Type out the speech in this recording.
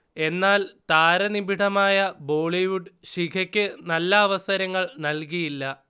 എന്നാൽ, താരനിബിഢമായ ബോളിവുഡ് ശിഖയ്ക്ക് നല്ല അവസരങ്ങൾ നൽകിയില്ല